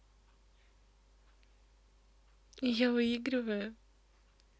я выигрываю